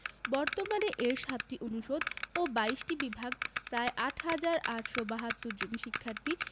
বর্তমানে এর ৭টি অনুষদ ও ২২টি বিভাগ প্রায় ৮ হাজার ৮৭২ জন শিক্ষার্থী